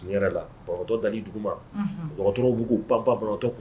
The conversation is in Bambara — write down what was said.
Tɔ da dugutɔ b'u banba bantɔ